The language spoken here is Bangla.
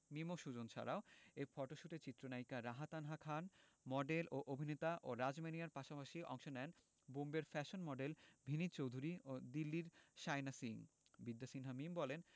মিম ও সুজন ছাড়াও এ ফটোশ্যুটে চিত্রনায়িকা রাহা তানহা খান মডেল ও অভিনেতা ও রাজ ম্যানিয়ার পাশাপাশি অংশ নেন বোম্বের ফ্যাশন মডেল ভিনিত চৌধুরী ও দিল্লির শায়না সিং বিদ্যা সিনহা মিম বলেন